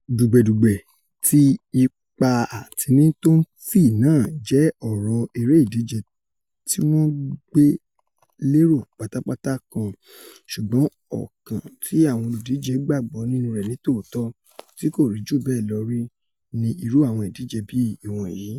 Dùgbẹ̀-dùgbẹ̀ ti ipá-atini tó ńfì náà jẹ ọ̀rọ̀ eré ìdíje tíwọ́n gbélẹ̀rọ pátápátá kan ṣùgbọ́n ọ̀kan tí àwọn olùdíje gbàgbọ́ nínú rẹ̀ nítòótọ̀, tí kòrí jù bẹ́ẹ̀ lọ rí ní irú àwọn ìdíje bíi ìwọ́nyí.